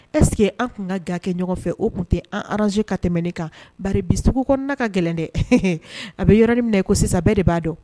Est ce que an kun ka ga kɛ ɲɔgɔn fɛ o kun tan range ka tɛmɛ nin kan .Bari bi sugu kɔnɔna ka gɛlɛn dɛ. A bi yɔrɔnin min na ko sisan bɛɛ de ba dɔn.